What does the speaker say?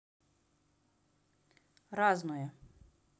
разное